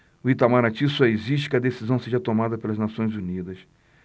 o itamaraty só exige que a decisão seja tomada pelas nações unidas